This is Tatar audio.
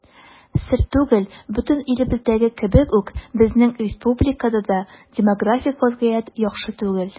Сер түгел, бөтен илебездәге кебек үк безнең республикада да демографик вазгыять яхшы түгел.